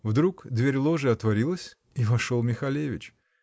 вдруг дверь ложи отворилась, и вошел Михалевич.